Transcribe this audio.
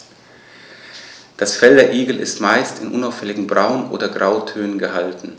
Das Fell der Igel ist meist in unauffälligen Braun- oder Grautönen gehalten.